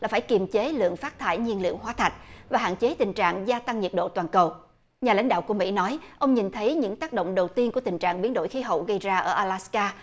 là phải kiềm chế lượng phát thải nhiên liệu hóa thạch và hạn chế tình trạng gia tăng nhiệt độ toàn cầu nhà lãnh đạo của mỹ nói ông nhìn thấy những tác động đầu tiên của tình trạng biến đổi khí hậu gây ra ở a lát ca